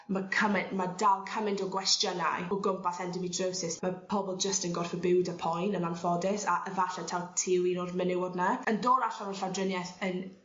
ma' cyme- ma' dal cymaint o gwestiynau o gwmpas endometriosis ma' pobol jyst yn gorffo byw 'dy poen yn anffodus a efalle taw ti yw un o'r menywod 'na yn dod allan o llawndrinieth yn